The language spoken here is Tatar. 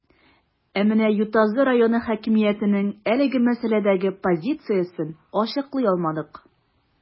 Ә менә Ютазы районы хакимиятенең әлеге мәсьәләдәге позициясен ачыклый алмадык.